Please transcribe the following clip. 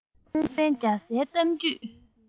སྲོང བཙན རྒྱ བཟའི གཏམ རྒྱུད